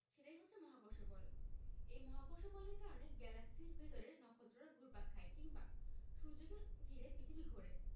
সেটাই হচ্ছে মহাকর্ষ বল এই মহাকর্ষ বলের কারণে গ্যালাক্সির ভেতরে নক্ষত্ররা ঘুরপাক খায় কিংবা সূর্যকে ঘিরে পৃথিবী ঘোরে